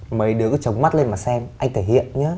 mấy đứa cứ chống mắt lên mà xem anh thể hiện nhớ